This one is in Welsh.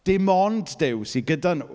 Dim ond Duw sy gyda nhw.